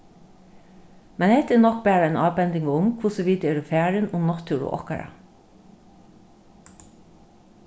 men hetta er nokk bara ein ábending um hvussu vit eru farin um náttúru okkara